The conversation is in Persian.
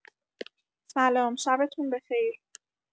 سلام شبتون بخیر